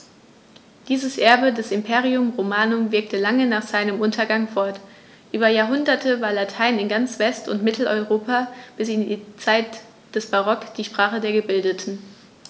Dieses Erbe des Imperium Romanum wirkte lange nach seinem Untergang fort: Über Jahrhunderte war Latein in ganz West- und Mitteleuropa bis in die Zeit des Barock die Sprache der Gebildeten.